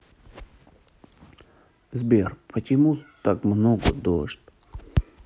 сбер почему так много дождь